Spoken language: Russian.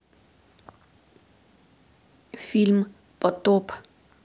фильм потоп